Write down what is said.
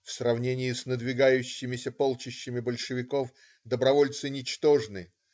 В сравнении с надвигающимися полчищами большевиков добровольцы ничтожны.